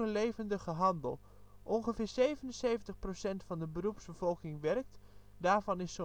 levendige handel. Ongeveer 77 % van de beroepsbevolking werkt. Daarvan is